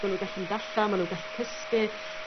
ma' nw'n gallu mynd allan ma' n'w gallu cysgu